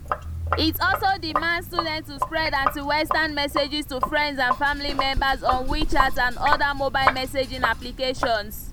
It also demands students to spread anti-Western messages to friends and family members on Wechat and other mobile messaging applications.